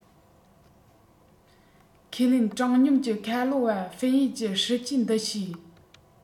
ཁས ལེན དྲང སྙོམས ཀྱི ཁ ལོ བ ཧྥན ཡུས གྱིས སྲིད ཇུས འདི ཤེས